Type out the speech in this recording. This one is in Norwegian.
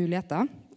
moglegheiter.